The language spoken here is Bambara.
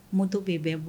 Moto bɛ yen bɛn bɔ